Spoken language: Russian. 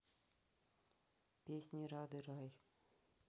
песни рады рай